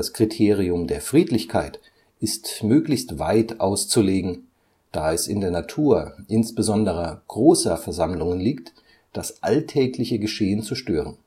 Kriterium der Friedlichkeit ist möglichst weit auszulegen, da es in der Natur insbesonderer großer Versammlungen liegt, das alltägliche Geschehen zu stören